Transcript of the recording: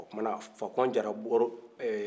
ɔɔ kumana fakɔn jara bɔro ɛɛ